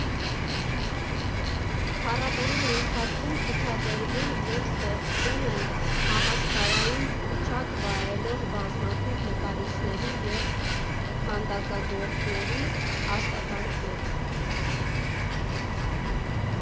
Փառատոնի ընթացքում ցուցադրվում և ստեղծվում են համաշխարհային հռչակ վայելող բազմաթիվ նկարիչների և քանդակագործների աշխատանքներ։